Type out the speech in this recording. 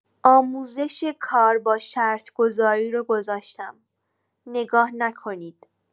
آموزش کار با شرط گذاری رو گذاستم نگاه نکنید